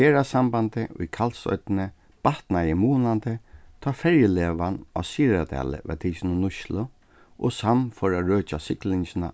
ferðasambandið í kalsoynni batnaði munandi tá ferjulegan á syðradali varð tikin í nýtslu og sam fór at røkja siglingina